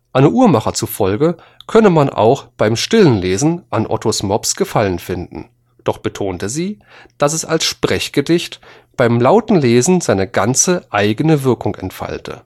Anne Uhrmacher zufolge könne man auch beim stillen Lesen an ottos mops Gefallen finden, doch betonte sie, dass es als Sprechgedicht beim lauten Lesen seine ganz eigene Wirkung entfalte